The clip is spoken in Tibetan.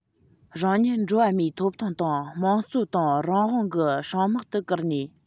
རང ཉིད འགྲོ བ མིའི ཐོབ ཐང དམངས གཙོ དང རང དབང གི སྲུང དམག ཏུ བཀུར ནས